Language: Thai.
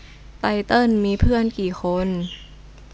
ไตเติ้ลมีเพื่อนกี่คน